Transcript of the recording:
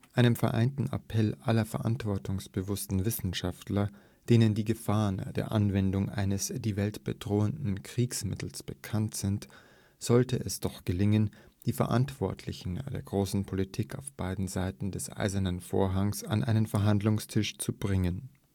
Einem vereinten Appell aller verantwortungsbewussten Wissenschaftler, denen die Gefahren der Anwendung eines die Welt bedrohenden Kriegsmittels bekannt sind, sollte es doch gelingen, die Verantwortlichen der großen Politik auf beiden Seiten des Eisernen Vorhangs an einen Verhandlungstisch zu bringen